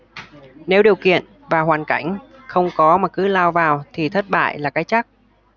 nếu điều kiện và hoàn cảnh không có mà cứ lao vào thì thất bại là cái chắc